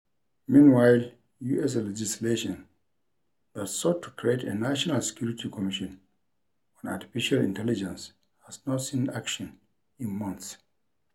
Meanwhile, U.S. legislation that sought to create a National Security Commission on Artificial Intelligence has not seen action in months.